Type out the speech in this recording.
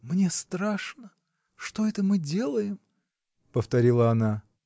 -- Мне страшно; что это мы делаем? -- повторила она.